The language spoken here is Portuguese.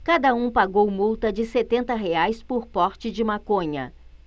cada um pagou multa de setenta reais por porte de maconha